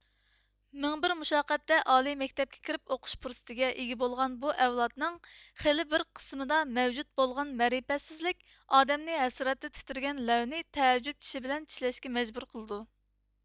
مىڭ بىر مۇشەققەتتە ئالىي مەكتەپكە كىرىپ ئوقۇش پۇرسىتىگە ئىگە بولغان بۇ ئەۋلادنىڭ خېلى بىر قىسىمىدا مەۋجۇد بولغان مەرىپەتسىزلىك ئادەمنى ھەسرەتتە تىتىرىگەن لەۋنى تەئەججۈب چىشى بىلەن چىشلەشكە مەجبۇر قىلىدۇ